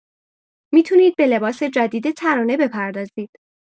می‌تونید به لباس جدید ترانه بپردازید.